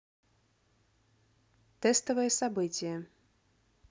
тестовое событие